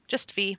Yym jyst fi.